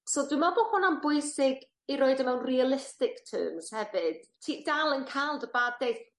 so dwi me'wl bo' hwnna'n bwysig i roid e mewn realistic terms hefyd. Ti dal yn ca'l dy bad days